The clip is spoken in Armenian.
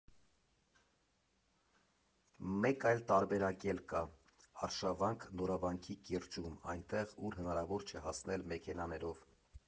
Մեկ այլ տարբերակ էլ կա՝ արշավանք Նորավանքի կիրճում, այնտեղ, ուր հնարավոր չէ հասնել մեքենաներով։